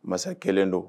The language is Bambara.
Masakɛ kelen don